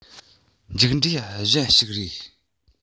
མཇུག འབྲས གཞན ཞིག རེད